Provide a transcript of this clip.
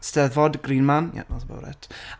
'Steddfod, Green Man, ie, that was about it.